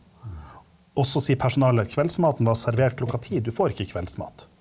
også sier personalet kveldsmaten var servert klokka ti, du får ikke kveldsmat.